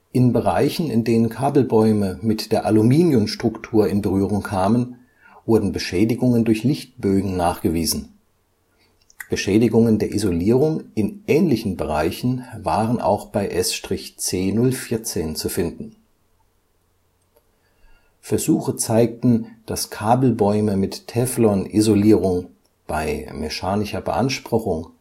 In Bereichen, in denen Kabelbäume mit der Aluminiumstruktur in Berührung kamen, wurden Beschädigungen durch Lichtbögen nachgewiesen. Beschädigungen der Isolierung in ähnlichen Bereichen waren auch bei S/C 014 zu finden. Versuche zeigten, dass Kabelbäume mit Teflon-Isolierung bei mechanischer Beanspruchung